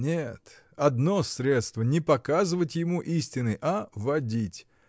Нет, одно средство: не показывать ему истины, а водить.